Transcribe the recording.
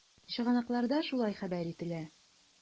Чыганакларда шулай хәбәр ителә.